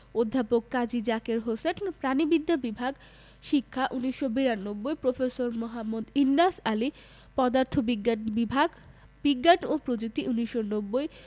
অধ্যাপক কাজী জাকের হোসেন প্রাণিবিদ্যা বিভাগ শিক্ষা ১৯৯২ প্রফেসর মোঃ ইন্নাস আলী পদার্থবিজ্ঞান বিভাগ বিজ্ঞান ও প্রযুক্তি ১৯৯০